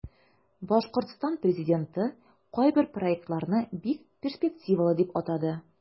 Башкортстан президенты кайбер проектларны бик перспективалы дип атады.